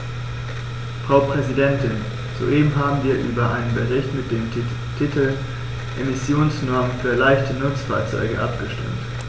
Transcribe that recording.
Frau Präsidentin, soeben haben wir über einen Bericht mit dem Titel "Emissionsnormen für leichte Nutzfahrzeuge" abgestimmt.